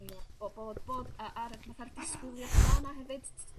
Ia bo' bo' bod yy a'r y fatha'r disgwyliada 'na hefyd